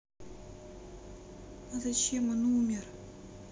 а зачем он умер